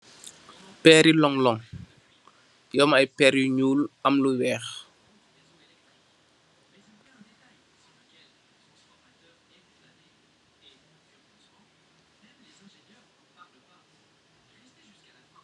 Pééri lonlon yu am ay per yu ñuul am lu wèèx .